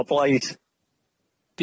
O blaid.